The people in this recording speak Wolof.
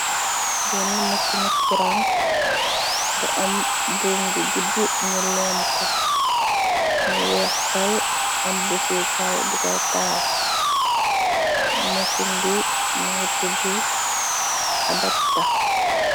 Bena mësini kuraŋ bu am bungu gudd ñu leemu ko, mu weex tal am bukay taal, mësin bi motu bi adapta.